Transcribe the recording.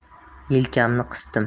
yelkamni qisdim